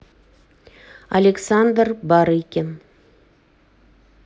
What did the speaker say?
александр барыкин